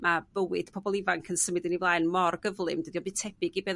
ma' bywyd pobol ifanc yn symud yn i flaen mor gyflym dydi o'm byd tebyg i be o'dd